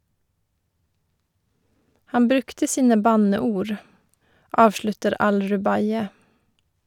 Han brukte sine banneord , avslutter al-Rubaie.